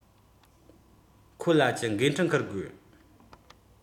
ཁོ ལ གྱི འགན འཁྲི འཁུར དགོས